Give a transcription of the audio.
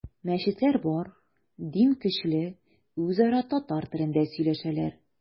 Мәчетләр бар, дин көчле, үзара татар телендә сөйләшәләр.